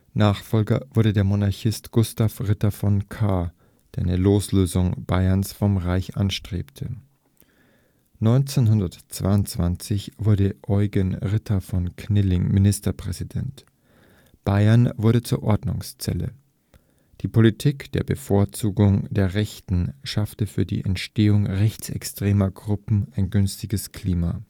Nachfolger wurde der Monarchist Gustav Ritter von Kahr, der eine Loslösung Bayerns vom Reich anstrebte. 1922 wurde Eugen Ritter von Knilling Ministerpräsident. Bayern wurde zur „ Ordnungszelle “. Die Politik der Bevorzugung der Rechten schaffte für die Entstehung rechtsextremer Gruppen ein günstiges Klima